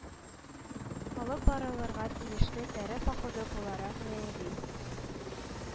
Алып барылырга тиешле “тәре походы” буларак бәяли.